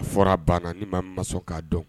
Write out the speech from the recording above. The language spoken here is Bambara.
A fɔra, a banan, ni maa min ma sɔn k'a dɔn